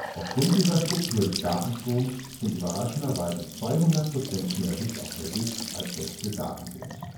Aufgrund dieser Struktur des Datenstroms sind überraschenderweise 200 Prozent mehr Bits auf der Disc als echte Datenbits